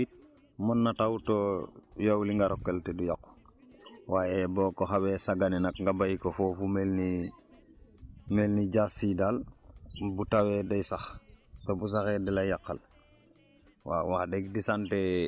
waaw bu fekkee daa nar a taw it mun na taw te yow li nga récolter du yàqu waaye boo ko xawee sàgganee nag nga bàyyi ko foofu mel ni mel ni * si daal bu tawee day sax te bu saxee da lay yàqal